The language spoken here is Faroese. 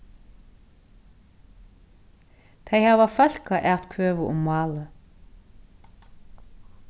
tey hava fólkaatkvøðu um málið